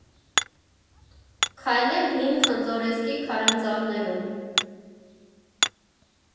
Քայլել Հին Խնձորեսկի քարանձավներում։